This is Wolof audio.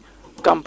kër Martin